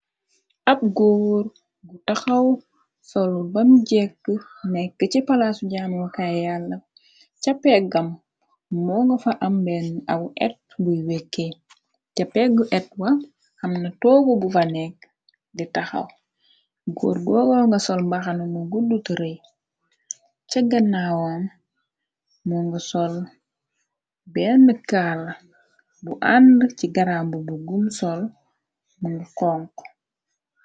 Ab goór gu taxaw solu bamu jekk mekk ci palaasu jaanulkay yàlla cha pegg am moo nga fa am benn aw ep buy wekkee ca peggu etwa am na toogu bu fa nekk di taxaw góor gogoo nga sol mbaxana nu guddu taree cha gannaawaom moo nga sol benn kàal bu ànd ci garambubu gum sol munge xonku.